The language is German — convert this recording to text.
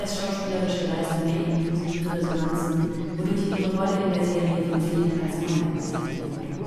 schauspielerische Leistung erhielt positive Resonanzen, wodurch ihre Rolle in der Serie von vielen als Comeback bezeichnet wurde